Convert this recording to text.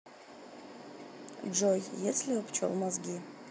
джой есть ли у пчел мозги